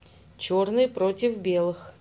черные против белых